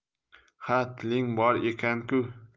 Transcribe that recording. ha tiling bor ekan ku